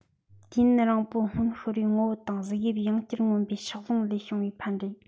དུས ཡུན རིང པོའི སྔོན ཤོར བའི ངོ བོ དང གཟུགས དབྱིབས ཡང བསྐྱར མངོན པའི ཕྱོགས ལྷུང ལས བྱུང བའི ཕན འབྲས